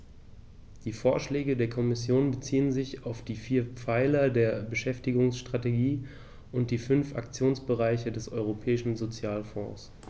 Die Vorschläge der Kommission beziehen sich auf die vier Pfeiler der Beschäftigungsstrategie und die fünf Aktionsbereiche des Europäischen Sozialfonds.